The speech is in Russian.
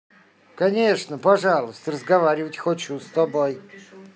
конечно пожалуйста разговаривать хочу с тобой